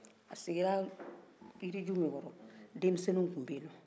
a siginra yiriju min kɔrɔ dɛmisɛniw tun bɛye nɔn